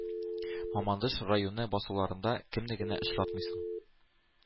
Мамадыш районы басуларында кемне генә очратмыйсың.